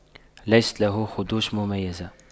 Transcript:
ليست له خدوش مميزة